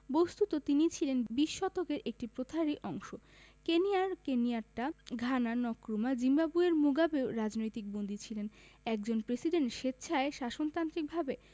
বস্তুত তিনি ছিলেন বিশ শতকের একটি প্রথারই অংশ কেনিয়ার কেনিয়াট্টা ঘানার নক্রুমা জিম্বাবুয়ের মুগাবেও রাজনৈতিক বন্দী ছিলেন একজন প্রেসিডেন্ট স্বেচ্ছায় শাসনতান্ত্রিকভাবে